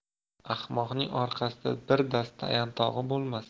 ahmoqning orqasida bir dasta yantog'i bo'lmas